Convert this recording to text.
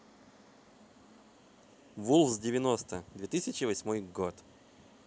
wolves девяносто две тысячи восьмой год